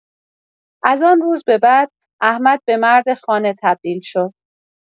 از آن روز به بعد، احمد به مرد خانه تبدیل شد.